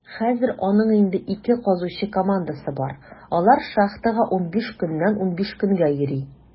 Хәзер аның инде ике казучы командасы бар; алар шахтага 15 көннән 15 көнгә йөри.